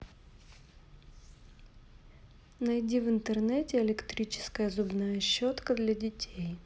найди в интернете электрическая зубная щетка для детей